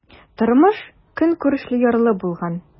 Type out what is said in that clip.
Тормыш-көнкүрешләре ярлы булган.